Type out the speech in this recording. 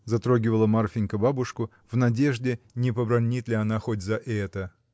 — затрогивала Марфинька бабушку, в надежде, не побранит ли она хоть за это.